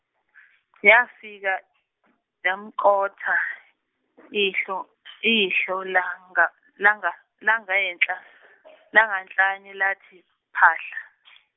Yafika yamqotha, ihlo- ihlo langa- langa- langenhla- , langanhlanye lathi phahla .